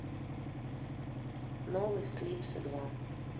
новый склипсы два